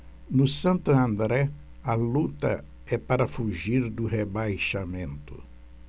no santo andré a luta é para fugir do rebaixamento